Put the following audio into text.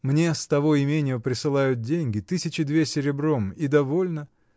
— Мне с того имения присылают деньги: тысячи две серебром — и довольно.